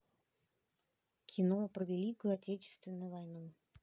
кино про великую отечественную войну